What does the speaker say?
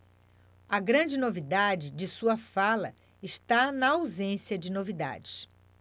a grande novidade de sua fala está na ausência de novidades